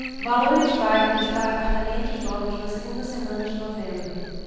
valores válidos para apartamentos novos na segunda semana de novembro